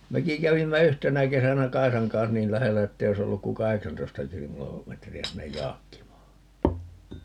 mekin kävimme yhtenä kesänä Kaisan kanssa niin lähellä että ei olisi ollut kuin kahdeksantoista - kilometriä sinne Jaakkimaan